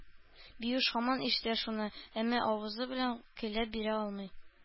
Биюш һаман ишетә шуны, әмма авызы белән көйләп бирә алмый.